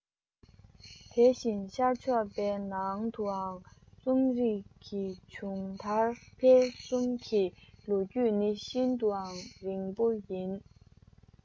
དེ བཞིན ཤར ཕྱོགས པའི ནང དུའང རྩོམ རིག གི བྱུང དར འཕེལ གསུམ གྱི ལོ རྒྱུས ནི ཤིན ཏུའང རིང པོ ཡིན